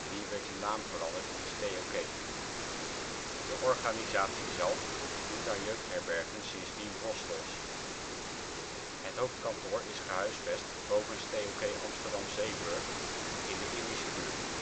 2003 werd de naam veranderd in Stayokay. De organisatie zelf noemt haar jeugdherbergen sindsdien ' hostels '. Het hoofdkantoor is gehuisvest boven Stayokay Amsterdam Zeeburg, in de Indische Buurt